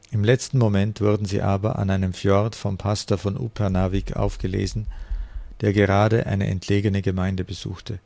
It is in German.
Im letzten Moment wurden sie aber an einem Fjord vom Pastor von Upernavik aufgelesen, der gerade eine entlegene Gemeinde besuchte